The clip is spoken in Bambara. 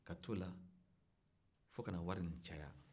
ka t'o la fo kana wari in caya